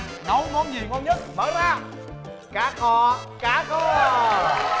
nấu món gì ngon nhất mở ra cá kho cá kho